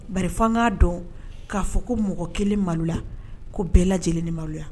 Ba'a dɔn k'a fɔ ko mɔgɔ kelen malola ko bɛɛ lajɛlen ni malo